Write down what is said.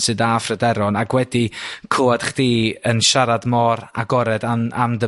Sydd â phryderon ac wedi clwad chdi yn siarad môr agored am am dy